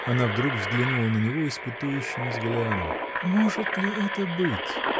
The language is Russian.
Она вдруг взглянула на него испытующим взглядом. — Может ли это быть?